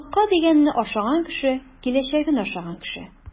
Орлыкка дигәнне ашаган кеше - киләчәген ашаган кеше.